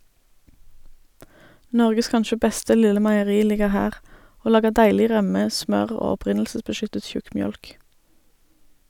Norges kanskje beste lille meieri ligger her, og lager deilig rømme, smør og opprinnelsesbeskyttet tjukkmjølk.